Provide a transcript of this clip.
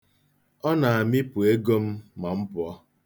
Ọ na-amịpụ ego m ma m pụọ.